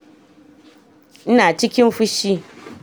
Ina cikin fushi."